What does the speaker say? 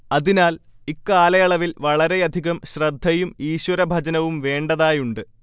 അതിനാൽ ഇക്കാലയളവിൽ വളരെയധികം ശ്രദ്ധയും ഈശ്വരഭജനവും വേണ്ടതായുണ്ട്